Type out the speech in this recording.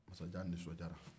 masajan nisɔndiyara